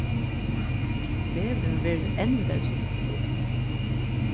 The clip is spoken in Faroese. vegurin verður enn verri